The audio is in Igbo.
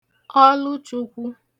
ọlụchukwu